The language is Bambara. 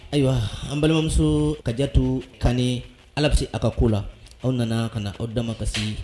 Ayiwa an balimamuso Kajatu Kanɛ alllah bɛ se a ka ko la ,aw nana ka na aw damakasisi.